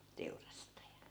teurastaja